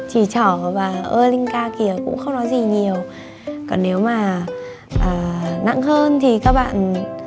chỉ trỏ bảo ơ linh ka kìa cũng không nói gì nhiều còn nếu mà à nặng hơn thì các bạn